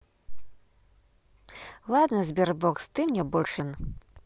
ладно sberbox ты мне больше не нужен